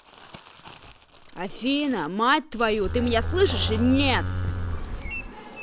афина мать твою ты меня слышишь нет